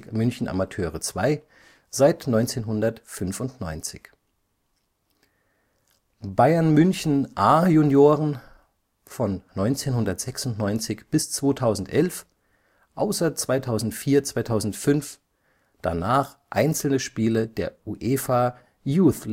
München Amateure/II: seit 1995 Bayern München A-Junioren: 1996 - 2011, außer 2004/05, danach einzelne Spiele der UEFA Youth